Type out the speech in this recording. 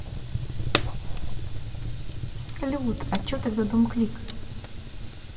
салют а че тогда дом клик